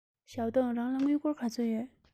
ཞའོ ཏིང རང ལ དངུལ སྒོར ག ཚོད ཡོད